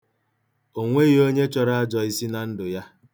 O nweghị onye chọrọ ajọisi na ndụ ya.